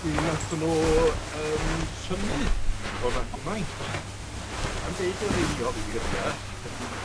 Mi nathon n'w yym synnu bo' 'na gymaint na'm deud yr union eiria'.